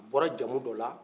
a bɔra jamu dɔ la